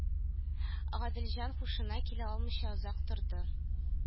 Гаделҗан һушына килә алмыйча озак торды